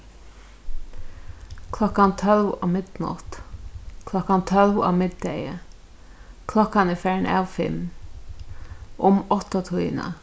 klokkan tólv á midnátt klokkan tólv á middegi klokkan er farin av fimm um áttatíðina